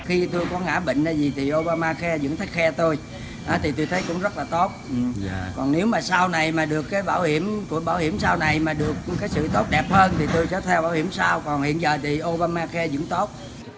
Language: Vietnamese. khi tôi có ngã bệnh hay gì thì ô ba ma khe vẫn khắt khe tôi đó thì tôi thấy cũng rất là tốt còn nếu mà sau này mà được cái bảo hiểm của bảo hiểm sau này mà được cái sự tốt đẹp hơn thì tôi sẽ theo bảo hiểm sau còn hiện giờ thì ô ba ma khe vẫn tốt